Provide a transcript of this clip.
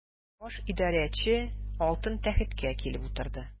Баш идарәче алтын тәхеткә килеп утырды.